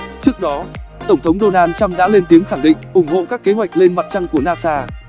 trước đó tổng thống donald trump đã lên tiếng khẳng định ủng hộ các kế hoạch lên mặt trăng của nasa